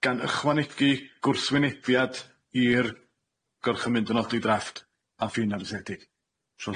gan ychwanegu gwrthwynebiad i'r gorchymyn dynodi ddrafft a ffin anrhydedig.